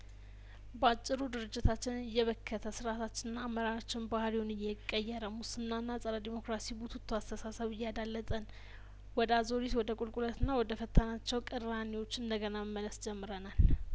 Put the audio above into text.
ባጭሩ ድርጅታችንን እየበከተ ስርአታችንና አመራራችን ባህርይውን እየቀየረ ሙስናና ጸረ ዴሞክራሲ ቡትቶ አስተሳሰብ እያዳለጠን ወደ አዙሪት ወደ ቁልቁለትና ወደ ፈታናቸው ቅራኔዎች እንደገና መመለስ ጀምረናል